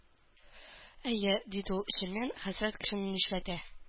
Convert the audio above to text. «әйе,— диде ул эченнән,—хәсрәт кешене нишләтә!»